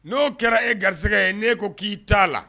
N'o kɛra e garigɛ ye ne ko k'i t'a la